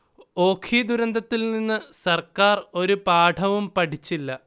ഓഖി ദുരന്തത്തിൽ നിന്ന് സർക്കാർ ഒരു പാഠവും പടിച്ചില്ല